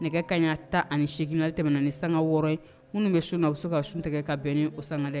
Nɛgɛ kanɲɛ 18 na, o tɛmɛn ni sanga 06 ye minnu bɛ sun na, u bɛ se ka sun tigɛ ka bɛn n'o sanga da ye.